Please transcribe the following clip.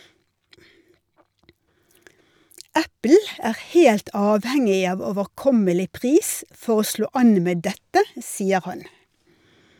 Apple er helt avhengig av overkommelig pris for å slå an med dette , sier han.